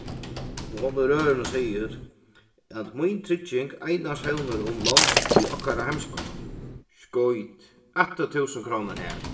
og hon í rørinum sigur at mín trygging einans fevnir um lond í okkara heimsparti skít aftur túsund krónur har